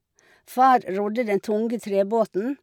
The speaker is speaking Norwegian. Far rodde den tunge trebåten.